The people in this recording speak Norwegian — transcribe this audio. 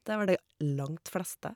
Det er vel de langt fleste.